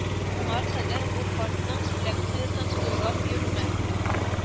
Моңар кадәр бу картның лекциясен «тозлап» йөрүемә